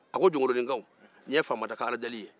a ko jɔnkoloninkaw nin ye faama da ka aladeki ye